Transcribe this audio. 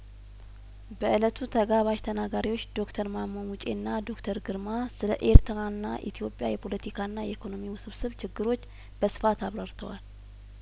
በእለቱ ተጋባዥ ተናጋሪዎች ዶክተር ማሞ ሙጬና ዶክተር ግርማ ስለኤርትራና ኢትዮጵያ የፖለቲካና የኢኮኖሚ ውስብስብ ችግሮች በስፋት አብራርተዋል